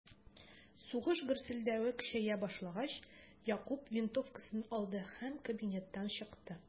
Сугыш гөрселдәве көчәя башлагач, Якуб винтовкасын алды һәм кабинеттан чыкты.